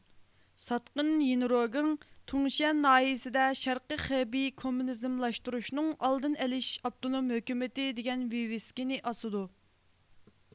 ساتقىن يىنرۇگېڭ تۇڭشيەن ناھىيىسىدە شەرقىي خېبېي كوممۇنىزملاشتۇرۇشنىڭ ئالدىنى ئېلىش ئاپتونوم ھۆكۈمىتى دېگەن ۋىۋىسكىنى ئاسىدۇ